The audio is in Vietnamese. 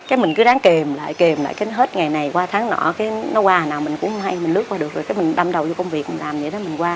cái mình cứ ráng kiềm lại kiềm lại kính hết ngày này qua tháng nọ cái nó qua nào mình cũng không hay mình lướt qua được cái mình đâm đầu vô công việc mình làm vậy đó mình qua